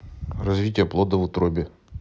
развитие плода в утробе